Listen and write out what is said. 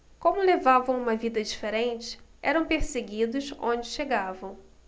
como levavam uma vida diferente eram perseguidos onde chegavam